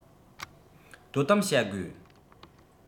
དོ དམ བྱ དགོས